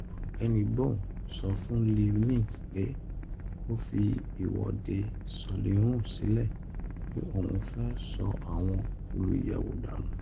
Ọ̀gbẹ́ni Bone sọ fún Leave Means pé kó fi ìwọ́de Solihull sílẹ̀ pé òun fẹ́ 'sọ àwọn olùyẹ̀wò dànú'.